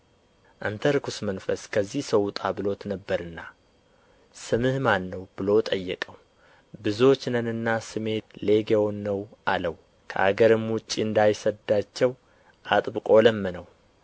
አንተ ርኵስ መንፈስ ከዚህ ሰው ውጣ ብሎት ነበርና ስምህ ማን ነው ብሎ ጠየቀው ብዙዎች ነንና ስሜ ሌጌዎን ነው አለው ከአገርም ውጭ እንዳይሰዳቸው አጥብቆ ለመነው